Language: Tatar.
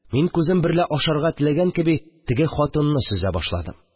Мин, күзем берлә ашарга теләгән кеби, теге хатынны сөзә башладым